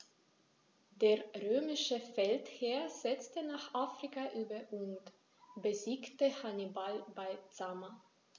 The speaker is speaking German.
Der römische Feldherr setzte nach Afrika über und besiegte Hannibal bei Zama.